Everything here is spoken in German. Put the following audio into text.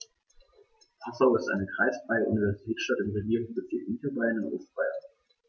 Passau ist eine kreisfreie Universitätsstadt im Regierungsbezirk Niederbayern in Ostbayern.